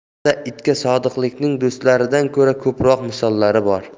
tarixda itga sodiqlikning do'stlaridan ko'ra ko'proq misollari bor